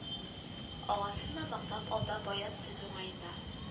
Агасын да мактап алды бая сүз уңаенда